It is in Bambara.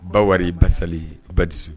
Ba wari basali ye ba dususu